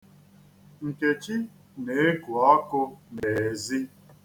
Nkechi na-eku ọkụ n'ezi.